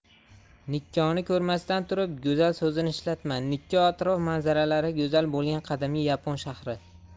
nikkoni ko'rmasdan turib go'zal so'zini ishlatma nikko atrof manzaralari go'zal bo'lgan qadimgi yapon shahri